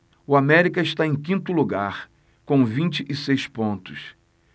o américa está em quinto lugar com vinte e seis pontos